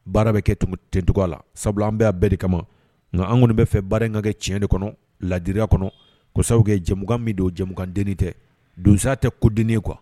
Baara bɛ kɛ ten cogoya la, sabula an bɛ yan bɛɛ de kama, nka an kɔni bɛ fɛ baara in ka kɛ tiɲɛ de kɔnɔ, ladiriya kɔnɔ, ko sabu kɛ jɛɛmukan min don, jɛɛmunkan dennin tɛ, donsoya tɛ kodennin ye quoi .